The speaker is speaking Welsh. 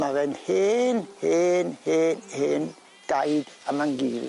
'Ma fy'n hen hen he- hen daid a mam-gu fi.